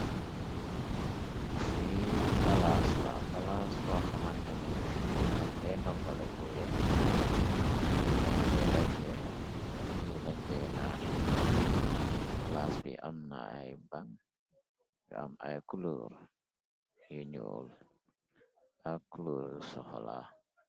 Fi palaas la palaas bo xamanta ni fi lañ de noppalekuwe fi lañ de lekke fi lañde nani palaas bi am na ay baŋ yu am ay clur yu ñuul ak clur soxola.